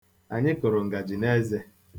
Anyị kụrụ ngaji n'eze.